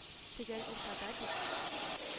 – төгәл уртада бит